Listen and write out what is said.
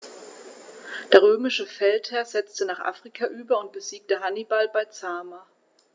Der römische Feldherr setzte nach Afrika über und besiegte Hannibal bei Zama.